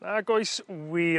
Nag oes wir...